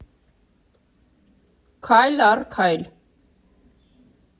Քայլ առ քայլ։